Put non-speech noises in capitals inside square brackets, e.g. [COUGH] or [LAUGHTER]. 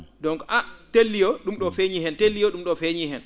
donc an tel lieu [SMACKS LIPS] ?um ?oo feeñii heen tel lieu ?um ?oo feeñii